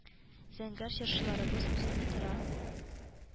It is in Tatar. Зәңгәр чыршыларыбыз үзе ни тора